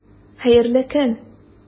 Хәерле көн!